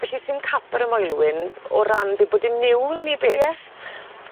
Felly sim cap ar y moelwyn o ran be' bod dim niwl ne' beth? Ie.